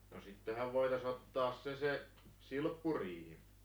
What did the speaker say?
no sittenhän voitaisiin ottaa se se silppuriihi